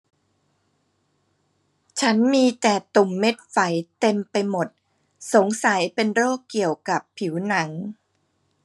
ฉันมีแต่ตุ่มเม็ดไฝเต็มไปหมดสงสัยเป็นโรคเกี่ยวกับผิวหนัง